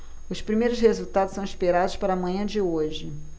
os primeiros resultados são esperados para a manhã de hoje